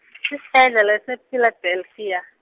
sibhedlela se- Philadelphia.